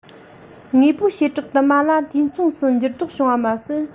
དངོས པོའི བྱེ བྲག དུ མ ལ དུས མཚུངས སུ འགྱུར ལྡོག བྱུང བ མ ཟད